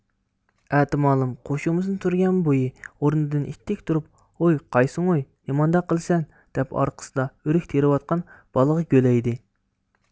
ئەتىمالىم قوشۇمىسىنى تۈرگەن بويى ئورنىدىن ئىتتىك تۇرۇپ ھۇي قايسىڭۇي نېمانداق قىلىسەن دەپ ئارقىسدا ئۆرۈك تېرىۋاتقان بالىغا گۆلەيدى